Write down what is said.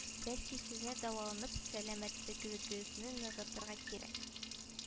Бәлки сезгә дәваланып сәламәтлегегезне ныгытырга кирәк